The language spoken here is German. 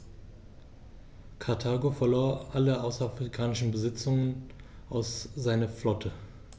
Karthago verlor alle außerafrikanischen Besitzungen und seine Flotte.